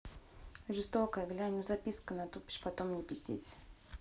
жесткое глянь ну записка наступишь потом мне пиздеть